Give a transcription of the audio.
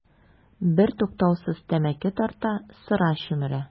Бертуктаусыз тәмәке тарта, сыра чөмерә.